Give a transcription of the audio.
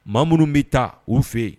Maa minnu bɛ taa u fɛ yen